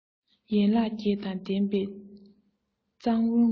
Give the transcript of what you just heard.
ཡན ལག བརྒྱད དང ལྡན པའི གཙང བོའི ངོགས